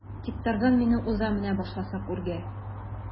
Тик Тарзан мине уза менә башласак үргә.